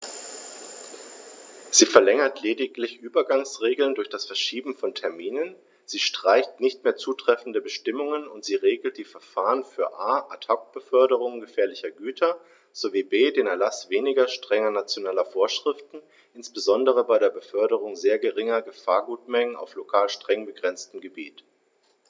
Sie verlängert lediglich Übergangsregeln durch das Verschieben von Terminen, sie streicht nicht mehr zutreffende Bestimmungen, und sie regelt die Verfahren für a) Ad hoc-Beförderungen gefährlicher Güter sowie b) den Erlaß weniger strenger nationaler Vorschriften, insbesondere bei der Beförderung sehr geringer Gefahrgutmengen auf lokal streng begrenzten Gebieten.